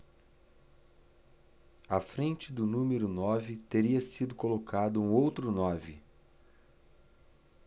à frente do número nove teria sido colocado um outro nove